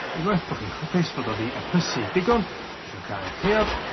Unweth bo' chi'n hapus fod o 'di eplysu digon ma' isio cau'r caead